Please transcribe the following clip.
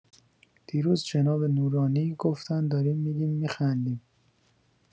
دیروز جناب نورانی گفتن داریم می‌گیم می‌خندیم